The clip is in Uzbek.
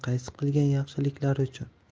qaysi qilgan yaxshiliklari uchun